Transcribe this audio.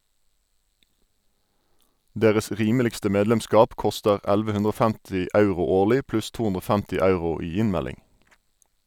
Deres rimeligste medlemskap koster 1150 euro årlig pluss 250 euro i innmelding.